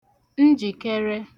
njìkẹrẹ